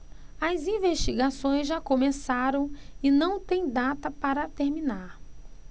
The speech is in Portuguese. as investigações já começaram e não têm data para terminar